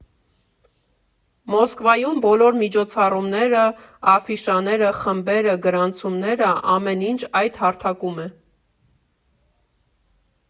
Մոսկվայում բոլոր միջոցառումները, աֆիշաները, խմբերը, գրանցումները՝ ամեն ինչ այդ հարթակում է։